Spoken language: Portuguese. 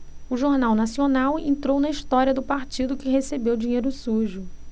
o jornal nacional entrou na história do partido que recebeu dinheiro sujo